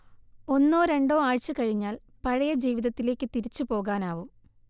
ഒന്നോ രണ്ടോ ആഴ്ച കഴിഞ്ഞാൽ പഴയ ജീവിതത്തിലേക്കു തിരിച്ചു പോകാനാവും